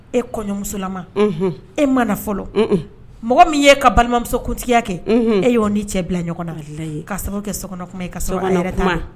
E kɔɲɔmusolama unhun e ma na fɔlɔ un un mɔgɔ min y'e ka balimamusokuntigiya kɛ unhun e y'o n'i cɛ bila ɲɔgɔn na walahi ka sababu kɛ sokɔnɔ kuma ye ka sɔrɔ sɔkɔnɔ kuma a yɛrɛ t'a la